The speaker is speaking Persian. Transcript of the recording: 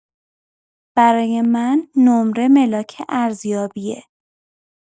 برای من نمره ملاک ارزیابیه